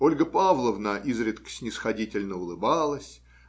Ольга Павловна изредка снисходительно улыбалась